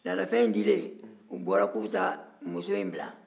laadafɛn in dilen u bɔra k'u bɛ taa muso in bila